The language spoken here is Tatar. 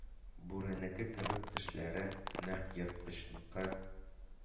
Бүренеке кебек тешләре, нәкъ ерткычныкы